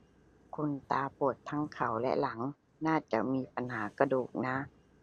คุณตาปวดทั้งเข่าและหลังน่าจะมีปัญหากระดูกนะ